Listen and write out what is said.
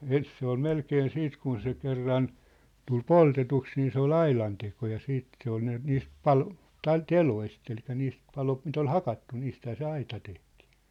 ensin se oli melkein sitten kun se kerran tuli poltetuksi niin se oli aidanteko ja sitten se oli ne niistä - tai teloista eli niistä paloista mitä oli hakattu niistähän se aita tehtiin